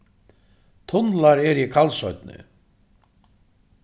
tunlar eru í kalsoynni